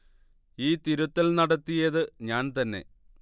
ഈ തിരുത്തൽ നടത്തിയത് ഞാൻ തന്നെ